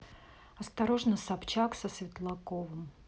осторожно собчак со светлаковым